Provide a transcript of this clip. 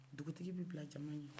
dugutigi b'i bila jama ɲɛ